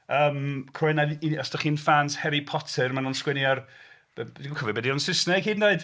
Yym croen ani- Os dach chi'n fans Harry Potter. Maen nhw'n sgwennu ar... Dwi'm yn cofio be 'di o'n Saesneg hyd yn oed!